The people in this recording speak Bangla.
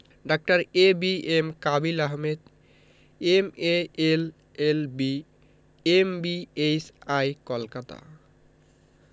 ডাঃ A B M Kabil Ahmed M A L L B M B H I Kolkata